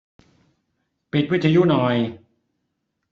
ปิดวิทยุหน่อย